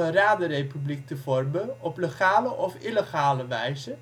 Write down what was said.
radenrepubliek te vormen op legale of illegale wijze